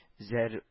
Зәр